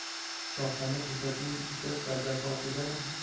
shohona to'shakning ipak pardasi ortida